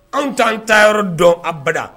Anw t'an ta yɔrɔ dɔn abada